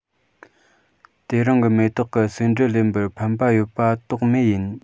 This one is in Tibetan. དེ རང གི མེ ཏོག གི ཟེའུ འབྲུ ལེན པར ཕན པ ཡོད པ དོགས མེད ཡིན